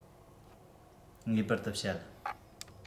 ངེས པར དུ བཤད